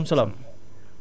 waaw salaamaaleykum